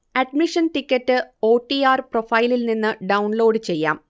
Admission ticket O. T. R പ്രൊഫൈലിൽനിന്ന് download ചെയ്യാം